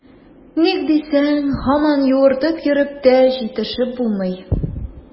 Ник дисәң, һаман юыртып йөреп тә җитешеп булмый.